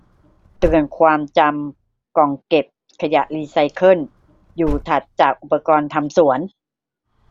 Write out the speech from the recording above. เตือนความจำกล่องเก็บขยะรีไซเคิลอยู่ถัดจากอุปกรณ์ทำสวน